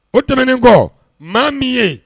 O tɛmɛnen kɔ maa min ye